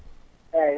eeyi